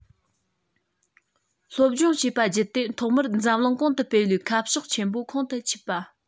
སློབ སྦྱོང བྱས པ བརྒྱུད དེ ཐོག མར འཛམ གླིང གོང དུ འཕེལ བའི ཁ ཕྱོགས ཆེན པོ ཁོང དུ ཆུད པ